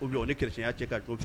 U o ni kireya cɛ ka don